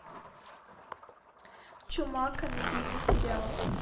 чума комедийный сериал